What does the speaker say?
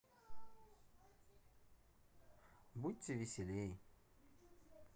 будьте веселей